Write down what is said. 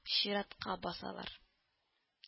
Чиратка басалар